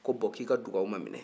ko bɔn k'i ka dugawu ma minɛ